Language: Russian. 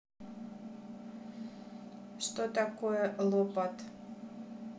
что такое лопат